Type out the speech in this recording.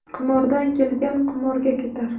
qimordan kelgan qimorga ketar